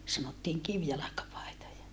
sanottiin kivjalkapaitoja